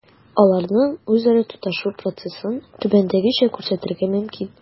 Аларның үзара тоташу процессын түбәндәгечә күрсәтергә мөмкин: